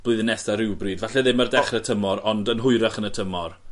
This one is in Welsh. blwyddyn nesa rywbryd falle ddim ar dechre tymor ond yn hwyrach yn y tymor.